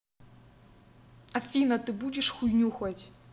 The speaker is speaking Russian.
афина ты будешь хуйню хоть